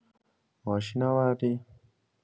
ماشین آوردی؟